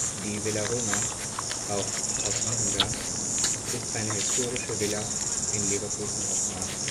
Villa Römer (auch Haus Frankenberg) ist eine historische Villa in Leverkusen-Opladen